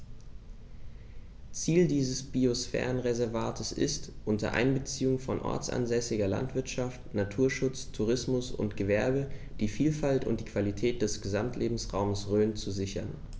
Ziel dieses Biosphärenreservates ist, unter Einbeziehung von ortsansässiger Landwirtschaft, Naturschutz, Tourismus und Gewerbe die Vielfalt und die Qualität des Gesamtlebensraumes Rhön zu sichern.